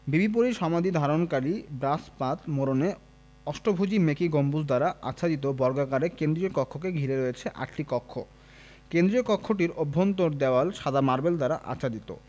বিবি পরীর সমাধি ধারণকারী ব্রাস পাত মোড়ানো অষ্টভুজী মেকী গম্বুজ দ্বারা আচ্ছাদিত বর্গাকার কেন্দ্রীয় কক্ষকে ঘিরে রয়েছে আটটি কক্ষ কেন্দ্রীয় কক্ষটির অভ্যন্তর দেওয়াল সাদা মার্বেল দ্বারা আচ্ছাদিত